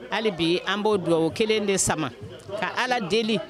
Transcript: Hali bi an b'o dubabu kelen de sama ka ala deli